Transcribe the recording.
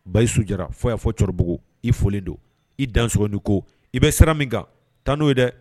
Basi sudi fo y'a fɔ cɛkɔrɔbabugu i folilen don i dan sɔgɔnin ko i bɛ siran min kan tan n'o ye dɛ